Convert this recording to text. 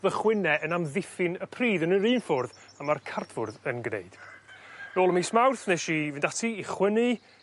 fy' chwyne yn amddiffyn y pridd yn yr un ffwrdd y ma'r cardfwrdd yn gneud. Nôl ym mis Mawrth nesh i fynd ati i chwynnu